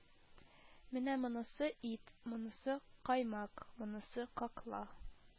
Менә монысы - ит, монысы - каймак, монысы - какла